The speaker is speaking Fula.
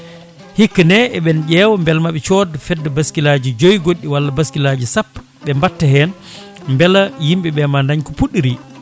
hikka ne eɓen ƴewa beel maɓe cood fodde bascule aji joyyi goɗɗi walla bascule aji sappo ɓe mbatta hen beela yimɓeɓe ma dañko puɗɗori